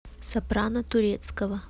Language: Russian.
сопрано турецкого